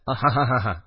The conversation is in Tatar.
Ах-ха-ха!